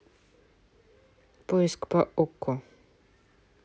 поиск по окко